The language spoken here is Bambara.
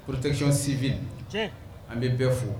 Porotecon sibi an bɛ bɛ fo